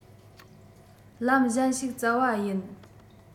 ལམ གཞན ཞིག བཙལ བ ཡིན